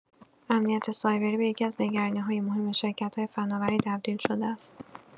امنیت سایبری به یکی‌از نگرانی‌های مهم شرکت‌های فناوری تبدیل شده است.